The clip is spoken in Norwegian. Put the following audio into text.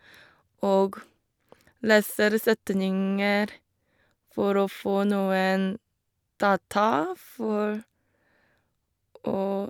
Og leser setninger for å få noen data for å...